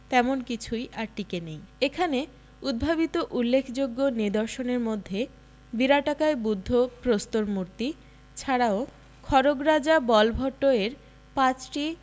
তেমন কিছুই আর টিকে নেই এখানে উদ্ভাবিত উল্লেখযোগ্য নিদর্শনের মধ্যে বিরাটকায় বুদ্ধ প্রস্তর মূর্র্তি ছাড়াও খড়গ রাজা বলভট্ট এর পাঁচটি